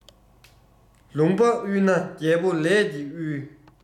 ལུང པ དབུལ ན རྒྱལ པོ ལས ཀྱིས དབུལ